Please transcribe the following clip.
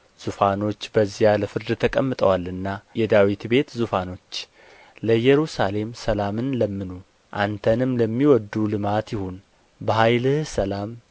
ዙፋኖች በዚያ ለፍርድ ተቀምጠዋልና የዳዊት ቤት ዙፋኖች ለኢየሩሳሌም ሰላምን ለምኑ አንተንም ለሚወድዱ ልማት ይሁን በኃይልህ ሰላም